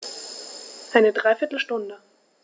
Eine dreiviertel Stunde